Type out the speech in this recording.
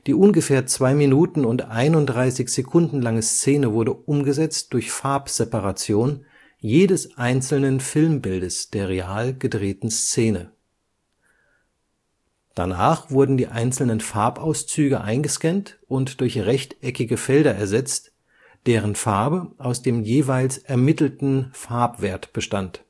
ungefähr 2 Minuten und 31 Sekunden lange Szene wurde umgesetzt durch Farbseparation (drei grundlegende Farbauszüge sowie eine schwarze Hintergrund-Maske) jedes einzelnen Filmbildes der real gedrehten Szene. Danach wurden die einzelnen Farbauszüge eingescannt und durch rechteckige Felder ersetzt, deren Farbe aus dem jeweils ermittelten Farbwert bestand